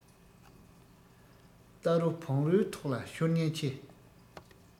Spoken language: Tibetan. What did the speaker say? རྟ རོ བོང རོའི ཐོག ལ ཤོར ཉེན ཆེ